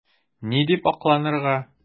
Ни дип акланырга?